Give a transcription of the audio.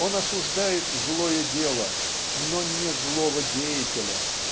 Он осуждает злое дело, но не злого деятеля.